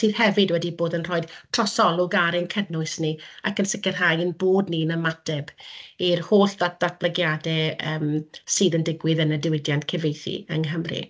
sydd hefyd wedi bod yn rhoi trosolwg ar ein cynnwys ni ac yn sicrhau ein bod ni'n ymateb i'r holl dat- datblygiadau yym sydd yn digwydd yn y diwydiant cyfieithu yng Nghymru.